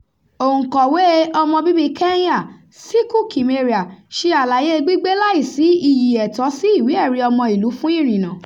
Òǹkọ̀wée ọmọbíbíi Kenya Ciku Kimeria ṣe àlàyé gbígbé láìsí iyì "ẹ̀tọ́ sí ìwé-ẹ̀rí-ọmọìlú-fún-ìrìnnà".